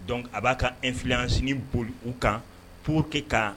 Don a b'a ka nfisin boli u kan po que kan